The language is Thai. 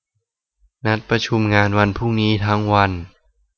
นัดประชุมงานวันพรุ่งนี้ทั้งวัน